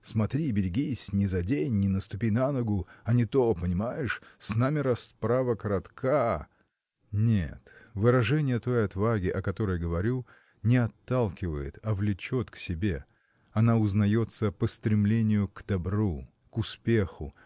Смотри, берегись, не задень, не наступи на ногу, а не то – понимаешь? с нами расправа коротка! Нет выражение той отваги о которой говорю не отталкивает а влечет к себе. Она узнается по стремлению к добру к успеху